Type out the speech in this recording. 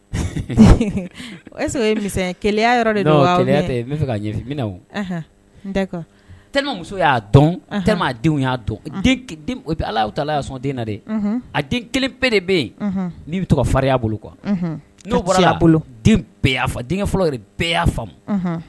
Ka ɲɛmina muso'a dɔn dɔn ala ta sɔn den a den kelen bɛɛ de bɛ yen n' bɛ to ka fari bolo kuwa n' bɔra bolo bɛɛ denkɛ fɔlɔ bɛɛ faamu